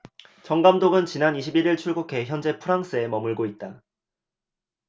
정 감독은 지난 이십 일 일 출국해 현재 프랑스에 머물고 있다